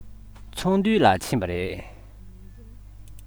ཚོགས འདུ ལ ཕྱིན པ རེད